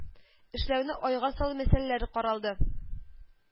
Эшләүне айга салу мәсьәләләре каралды